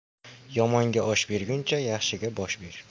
yomonga osh berguncha yaxshiga bosh ber